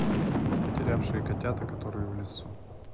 потерявшие котята которые в лесу